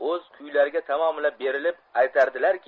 o'z kuylariga tamomila berilib aytardilar ki